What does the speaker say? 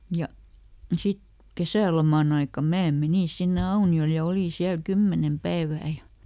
ja sitten kesäloman aikana minä menin sinne Auniolle ja olin siellä kymmenen päivää ja